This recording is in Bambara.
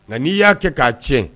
Nka' i y'a kɛ k'a tiɲɛ